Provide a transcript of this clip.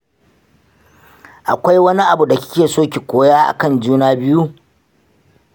akwai wani abu da kikeso ki koya akan juna biyu?